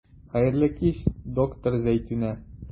Хәерле кич, доктор Зәйтүнә.